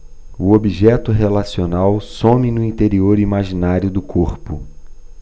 o objeto relacional some no interior imaginário do corpo